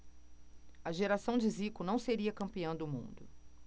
a geração de zico não seria campeã do mundo